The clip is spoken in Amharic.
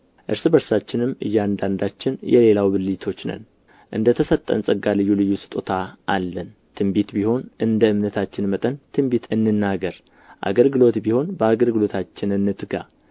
እርስ በርሳችንም እያንዳንዳችን የሌላው ብልቶች ነን እንደ ተሰጠንም ጸጋ ልዩ ልዩ ስጦታ አለን ትንቢት ቢሆን እንደ እምነታችን መጠን ትንቢት እንናገር አገልግሎት ቢሆን በአገልግሎታችን እንትጋ